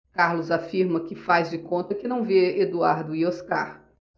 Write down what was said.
carlos afirma que faz de conta que não vê eduardo e oscar